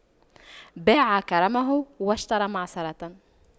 باع كرمه واشترى معصرة